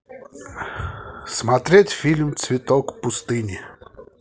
смотреть фильм цветок пустыни